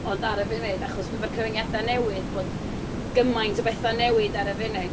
Ond ar y funud, achos efo'r cyfyngiadau newydd, bod gymaint o bethau'n newid ar y funud.